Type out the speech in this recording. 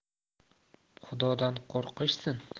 xudodan qo'rqishsin